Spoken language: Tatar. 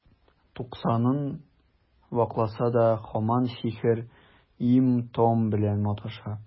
Туксанын вакласа да, һаман сихер, им-том белән маташа.